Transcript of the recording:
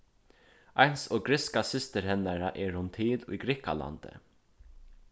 eins og grikska systir hennara er hon til í grikkalandi